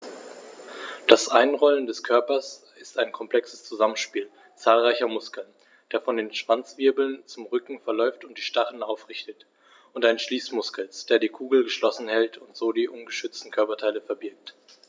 Das Einrollen des Körpers ist ein komplexes Zusammenspiel zahlreicher Muskeln, der von den Schwanzwirbeln zum Rücken verläuft und die Stacheln aufrichtet, und eines Schließmuskels, der die Kugel geschlossen hält und so die ungeschützten Körperteile verbirgt.